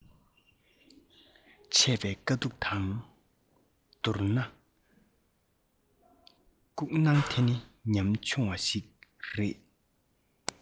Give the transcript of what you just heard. འཕྲད པའི དཀའ སྡུག དང བསྡུར ན སྐྲག སྣང དེ ནི ཉམ ཆུང བ ཞིག རེད